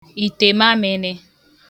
ìte mamị̄nị̄